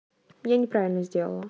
я неправильно сделала